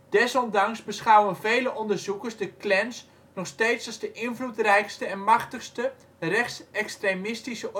Desondanks beschouwen vele onderzoekers de " Klans " nog steeds als de invloedrijkste en machtigste rechts-extremistische